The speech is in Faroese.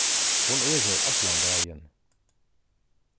hon er her allan dagin